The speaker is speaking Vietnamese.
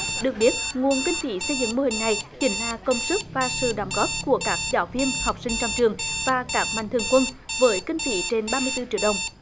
được biết nguồn kinh phí xây dựng mô hình này chính là công sức và sự đóng góp của các giáo viên học sinh trong trường và các mạnh thường quân với kinh phí trên ba mươi tư triệu đồng